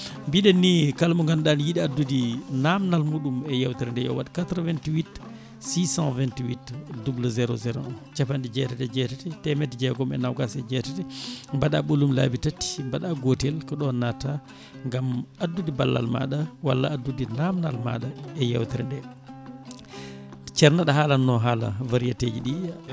mbiɗen ni kala mo ganduɗa ne yiiɗi andude namdal muɗum e yewtere nde yo waat 88 628 00 01 capanɗe jeetati e jeetati temedde jeegom e nogas e jeetati mbaɗa ɓolum laabi tati mbaɗa gotel ko ɗo natta gaam addude ballal maɗa walla addude namdal maɗa e yewtere nde ceerno aɗa haalalnno haala variété aji ɗi